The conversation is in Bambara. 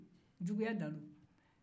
juguya dan do